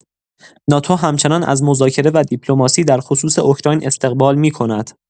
ناتو همچنان از مذاکره و دیپلماسی در خصوص اوکراین استقبال می‌کند.